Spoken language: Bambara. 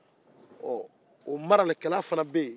o maralikɛla fana bɛ yen